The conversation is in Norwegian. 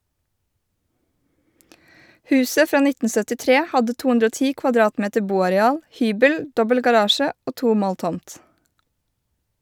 Huset fra 1973 hadde 210 kvadratmeter boareal, hybel, dobbel garasje og to mål tomt.